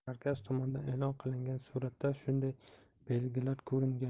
markaz tomonidan e'lon qilingan suratda shunday belgilari ko'ringan